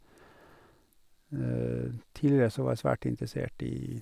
Tidligere så var jeg svært interessert i...